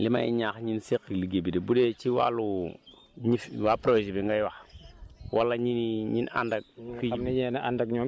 waaw Aliou li may ñaax ñin seqal liggéey bi de bu dee ci wàllu ñi fi waa projet bi ngay wax wala ñi ñiy ñiy àndal